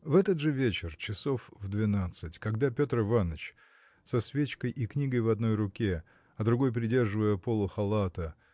В этот же вечер часов в двенадцать когда Петр Иваныч со свечой и книгой в одной руке а другой придерживая полу халата